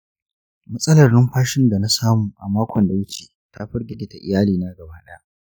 matsalar numfashin da na samu a makon da ya wuce ta firgita iyalina gaba ɗaya.